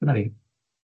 Dyna ni.